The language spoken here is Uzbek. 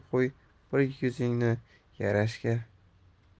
qo'y bir yuzingni yarashga